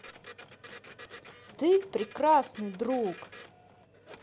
ты прекрасный друг